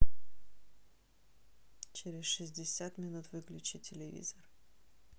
через шестьдесят минут выключи телевизор